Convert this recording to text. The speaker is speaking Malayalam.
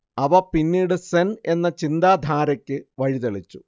അവ പിന്നീട് സെൻ എന്ന ചിന്താധാരക്ക് വഴിതെളിച്ചു